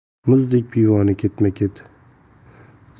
muzdek pivoni ketma ket